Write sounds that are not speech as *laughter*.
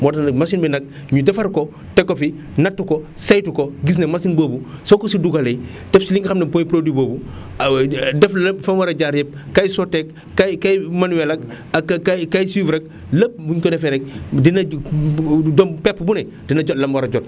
moo tax nag machine bi nag ñu defar ko teg ko fi natt ko saytu ko gis ne machine boobu soo ko si dugalee *inhales* def si li nga xam ne mooy produit boobu *hesitation* def lépp fa mu war a jaar yëpp kay sotteeg kay kay manuel ak ak ka kay suivre ak lépp bu ñu ko defee rek dina ji *hesitation* pepp bu ne dina jot la mu war a jot